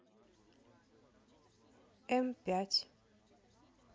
м пять